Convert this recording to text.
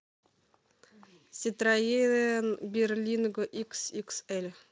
ситроен берлинго xxl